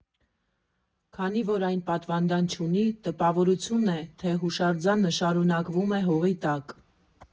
Քանի որ այն պատվանդան չունի, տպավորություն է, թե հուշարձանը շարունակվում է հողի տակ։